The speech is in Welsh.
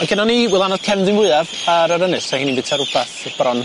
Ma' gynnon ni wylanodd cefndir mwyaf ar yr ynys o'n i'n bita rwbath bron.